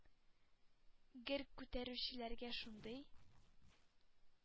Гер күтәрүчеләргә шундый